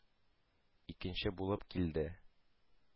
Икенче булып килде.